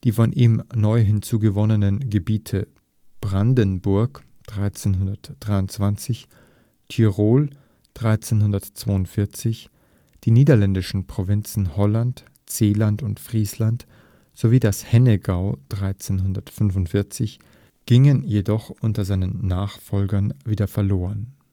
von ihm neu hinzugewonnenen Gebiete Brandenburg (1323), Tirol (1342), die niederländischen Provinzen Holland, Zeeland und Friesland sowie das Hennegau (1345) gingen jedoch unter seinen Nachfolgern wieder verloren